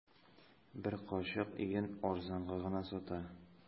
Бер карчык өен арзанга гына сата.